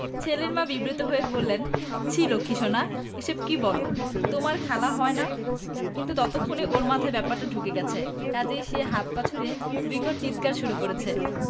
ছেলের মা বিব্রত হয়ে বললেন ছিঃ লক্ষীসোনা এসব কি বলে তোমার খালা হয় না কিন্তু ততক্ষণে ওর মাথায় ব্যাপারটা ঢুকে গেছে কাজেই সে হাত পা ছুড়ে বিকট চিৎকার শুরু করেছে